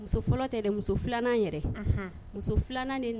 Filanan